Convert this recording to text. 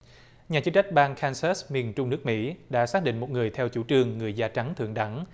nhà chức trách bang kan sớt miền trung nước mỹ đã xác định một người theo chủ trương người da trắng thượng đẳng